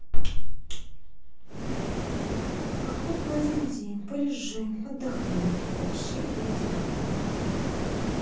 а хотя бы один день полежи отдохни вообще не разговаривал